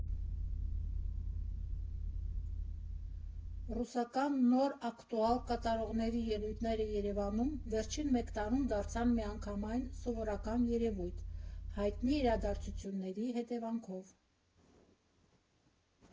Ռուսական նոր, ակտուալ կատարողների ելույթները Երևանում վերջին մեկ տարում դարձան միանգամայն սովորական երևույթ՝ հայտնի իրադարձությունների հետևանքով։